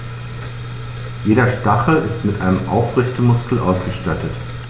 Jeder Stachel ist mit einem Aufrichtemuskel ausgestattet.